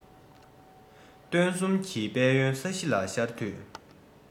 སྟོན གསུམ གྱི དཔལ ཡོན ས གཞི ལ ཤར དུས